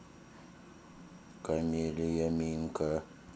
камелия минка